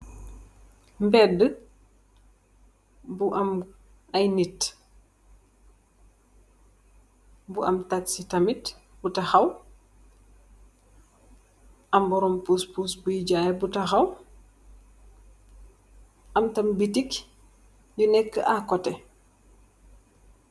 Mbedeh bu am aye nit taxi tamit mungfa takhaw amna borom puspus bu takhaw am tamit bitek bufa nekah